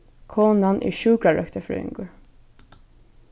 konan er sjúkrarøktarfrøðingur